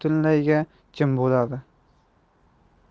butunlayga jim bo'ladi